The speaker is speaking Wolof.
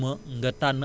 ca nji ma